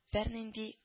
Бернинди